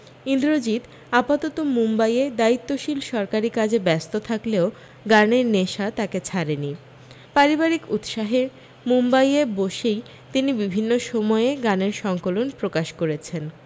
ইন্দ্রজিত আপাতত মুম্বাইয়ে দায়িত্বশীল সরকারী কাজে ব্যস্ত থাকলেও গানের নেশা তাঁকে ছাড়েনি পারিবারিক উৎসাহে মুম্বাইয়ে বসেই তিনি বিভিন্ন সময়ে গানের সংকলন প্রকাশ করেছেন